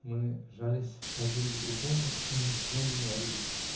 мы жались один к другому и ничего не говорили.